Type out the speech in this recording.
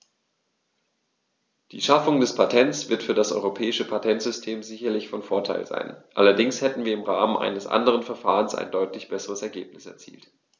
Die Schaffung des Patents wird für das europäische Patentsystem sicherlich von Vorteil sein, allerdings hätten wir im Rahmen eines anderen Verfahrens ein deutlich besseres Ergebnis erzielt.